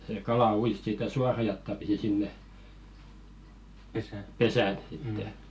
se kala ui sitä suoraa jataa pitkin sinne pesään sitten